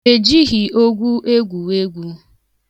Ejighị ogwu egwu egwu.